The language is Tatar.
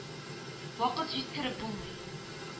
Вакыт җиткереп булмый